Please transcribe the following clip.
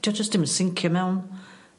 'Di o jys dim yn sincio mewn.